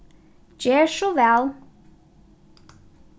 ger so væl